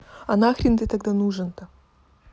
а нахрен ты тогда нужен то